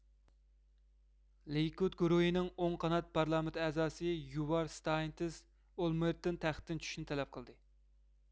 لىكۇد گۇرۇھىنىڭ ئوڭ قانات پارلامېنت ئەزاسى يۇۋار ستاينىتىس ئولمېىرتتىن تەختتىن چۈشۈشنى تەلەپ قىلدى